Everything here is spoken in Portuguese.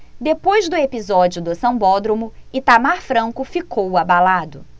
depois do episódio do sambódromo itamar franco ficou abalado